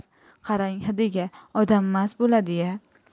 qarang hidiga odam mast bo'ladi ya